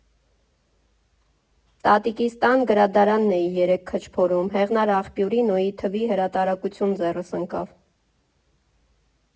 ֊ Տատիկիս տան գրադարանն էի երեկ քչփորում, «Հեղնար աղբյուրի» Նոյի թվի հրատարակություն ձեռս ընկավ։